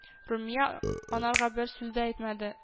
Румия анарга бер сүздә әйтмәде